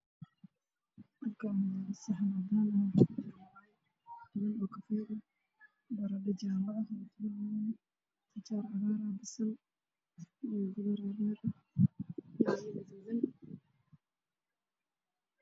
Meeshaan waa miis waxaa ku saaran saxan cadaan waxaa ku jira khudaar hilib iyo moss